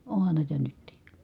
onhan näitä nytkin